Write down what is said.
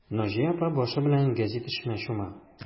Наҗия апа башы белән гәзит эшенә чума.